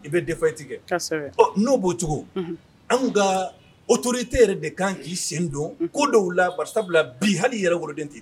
I bɛ defaillance kɛ kosɛbɛ , ɔ n'o b'o cogo la, unhun , anw ka autorités yɛrɛ de ka kan k'i sen don unhun, ko dɔw la ten, barisabula bi, hali I yɛrɛ woloden tɛ i ta ye.